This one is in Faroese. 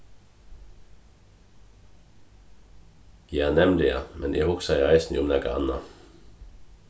ja nemliga men eg hugsaði eisini um nakað annað